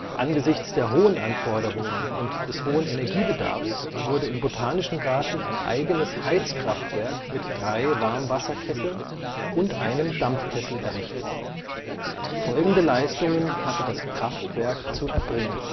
Angesichts der hohen Anforderungen und des hohen Energiebedarfs wurde im Botanischen Garten ein eigenes Heizkraftwerk mit drei Warmwasserkesseln und einem Dampfkessel errichtet. Folgende Leistungen hatte das Kraftwerk zu erbringen